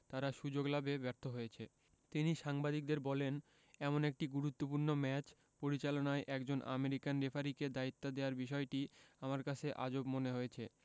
তারা সুযোগ লাভে ব্যর্থ হয়েছে তিনি সাংবাদিকদের বলেন এমন একটি গুরুত্বপূর্ণ ম্যাচ পরিচালনায় একজন আমেরিকান রেফারিকে দায়িত্ব দেয়ার বিষয়টি আমার কাছে আজব মনে হয়েছে